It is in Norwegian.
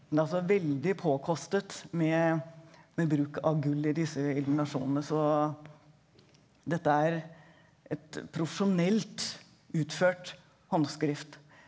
det er altså veldig påkostet med med bruk av gull i disse illuminasjonene så dette er et profesjonelt utført håndskrift.